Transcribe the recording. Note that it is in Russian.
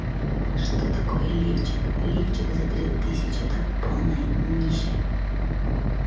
что такое лифчик лифчик за три тысячи это полное днище